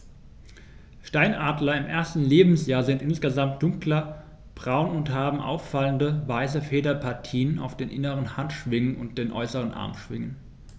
Steinadler im ersten Lebensjahr sind insgesamt dunkler braun und haben auffallende, weiße Federpartien auf den inneren Handschwingen und den äußeren Armschwingen.